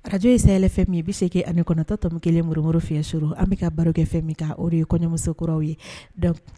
Ararakaj ye sayalɛfɛ min ye bɛ seke ani kɔnɔntɔtɔmin kelen moriro fiɲɛyɛn sur an bɛ ka barokɛ fɛn min ka o ye kɔɲɔmusokuraraw ye